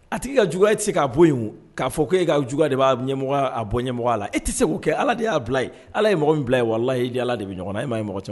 A tigi ka juguyaye tɛ k'a bɔ yen k'a fɔ k ko e ka juguya de b'a ɲɛmɔgɔ a bɔ ɲɛmɔgɔ la e tɛ se k'o kɛ ala de y'a bilaye ala yemɔgɔ min bila ye walala i di ala de bɛ ɲɔgɔn ye ma ye mɔgɔ cogo